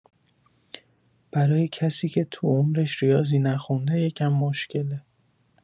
برا کسی که تو عمرش ریاضی نخونده یکم مشکله